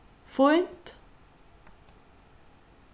fínt